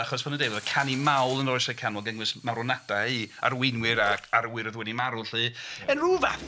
Achos fel o'n i'n ddeud oedd y canu mawl yn yr oesoedd canol gan gynnwys marwnadau i arweinwyr ac arwyr oedd wedi marw 'lly... ia. ...yn ryw fath o...